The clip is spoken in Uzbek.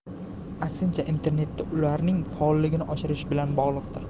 aksincha internetda ularning faolligini oshirish bilan bog'liqdir